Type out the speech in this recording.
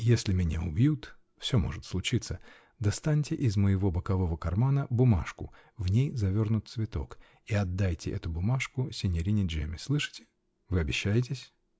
если меня убьют -- все может случиться, -- достаньте из моего бокового кармана бумажку -- в ней завернут цветок -- и отдайте эту бумажку синьорине Джемме. Слышите? Вы обещаетесь?